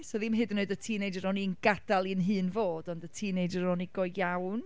So ddim hyd yn oed y teenager o'n i'n gadael i’n hun fod, ond y teenager o'n i go iawn.